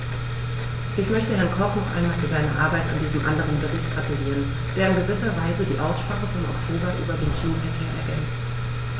Ich möchte Herrn Koch noch einmal für seine Arbeit an diesem anderen Bericht gratulieren, der in gewisser Weise die Aussprache vom Oktober über den Schienenverkehr ergänzt.